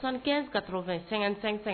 San kɛ ka tr fɛ sɛgɛn fɛnfɛn